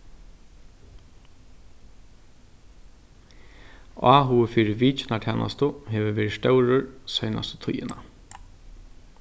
áhugin fyri vitjanartænastu hevur verið stórur seinastu tíðina